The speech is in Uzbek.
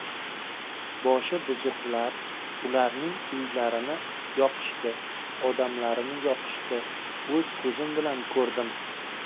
boshi buzuqlar ularning uylarini yoqishdi odamlarini yoqishdi o'z ko'zim bilan ko'rdim